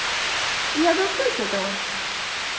я дождусь этого